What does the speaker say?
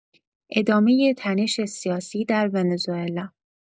ادامه تنش سیاسی در ونزوئلا